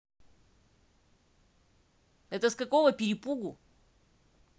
это с какого перепугу